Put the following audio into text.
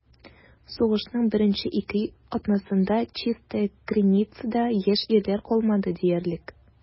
Сугышның беренче ике атнасында Чистая Криницада яшь ирләр калмады диярлек.